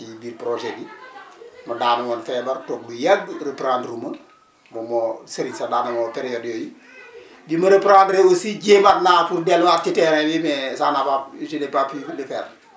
ci biir projet bi ma daanu woon feebar toog lu yàgg reprendre ma moom moo Serigne sax daan na ma woo période yooyu bi ma reprendre aussi jéemaat naa pour delluwaat ci terrain bi mais ça n' a pas je n' ai pas pu le faire